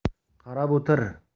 qarab o'ter